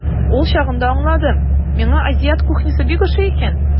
Ул чагында аңладым, миңа азиат кухнясы бик ошый икән.